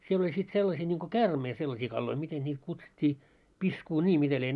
siellä oli sitten sellaisia niin kuin käärmeitä sellaisia kaloja miten niitä kutsuttiin piskunia mitä lie